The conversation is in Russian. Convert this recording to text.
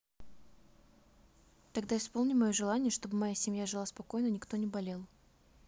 тогда исполни мое желание чтобы моя семья жила спокойно и никто не болел